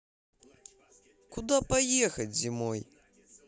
куда поехать зимой